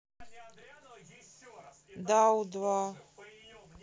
дау два